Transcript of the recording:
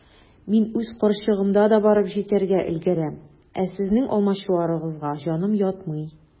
Мин үз карчыгымда да барып җитәргә өлгерәм, ә сезнең алмачуарыгызга җаным ятмый.